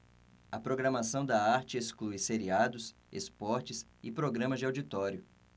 a programação da arte exclui seriados esportes e programas de auditório